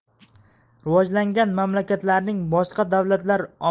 rivojlangan mamlakatlarning boshqa davlatlar